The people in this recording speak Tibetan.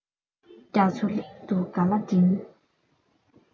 རྒྱ མཚོའི གླིང དུ ག ལ བྲིན